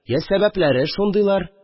Я сәбәпләре шундыйлар